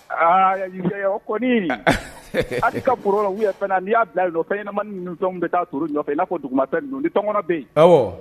Aa o kɔni hali ka b u ye fana na'i y'a bilala fɛn ɲɛna nema ninnuzɔn bɛ taa to nɔfɛ i'a ko dugu tɛ ninnu ni tɔɔn bɛ yen